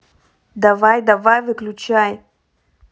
давай давай выключай